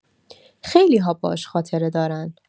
خیلی‌ها باهاش خاطره دارن؛